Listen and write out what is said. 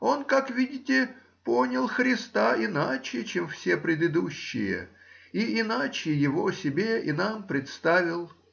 он, как видите, понял Христа иначе, чем все предыдущие, и иначе его себе и нам представил